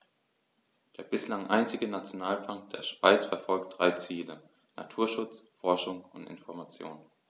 Der bislang einzige Nationalpark der Schweiz verfolgt drei Ziele: Naturschutz, Forschung und Information.